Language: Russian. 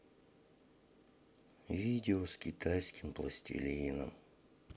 видео с китайским пластилином